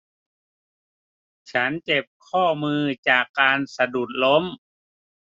ฉันเจ็บข้อมือจากการสะดุดล้ม